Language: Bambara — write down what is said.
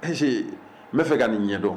Ayi n bɛa fɛ ka nin ɲɛdɔn